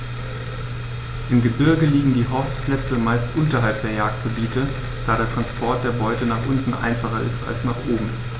Im Gebirge liegen die Horstplätze meist unterhalb der Jagdgebiete, da der Transport der Beute nach unten einfacher ist als nach oben.